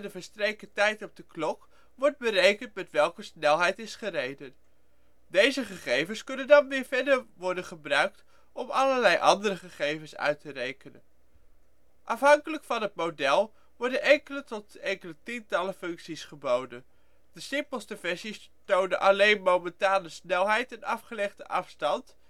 verstreken tijd op de klok wordt berekend met welke snelheid is gereden. Deze gegevens kunnen dan weer verder gebruikt worden om allerlei andere gegevens uit te rekenen. Afhankelijk van het model worden enkele tot enkele tientallen functies geboden. De simpelste versies tonen alleen momentane snelheid en afgelegde afstand